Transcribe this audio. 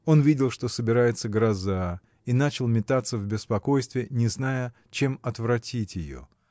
Он видел, что собирается гроза, и начал метаться в беспокойстве, не зная, чем отвратить ее.